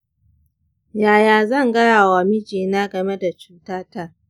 yaya zan gaya wa mijina game da cutata?